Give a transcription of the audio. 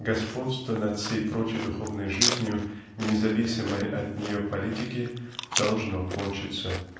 господство над всей прочей духовной жизнью независимой от нее политики должно кончиться